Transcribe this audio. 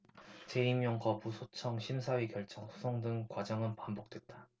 재임용 거부 소청 심사위 결정 소송 등 과정은 반복됐다